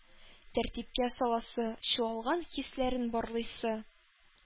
Тәртипкә саласы, чуалган хисләрен барлыйсы,